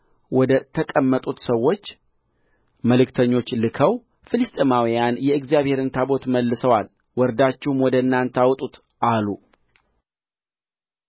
ወደ ተቀመጡት ሰዎች መልክተኞች ልከው ፍልስጥኤማውያን የእግዚአብሔርን ታቦት መልሰዋል ወርዳችሁም ወደ እናንተ አውጡት አሉ